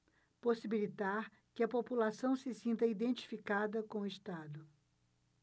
possibilitar que a população se sinta identificada com o estado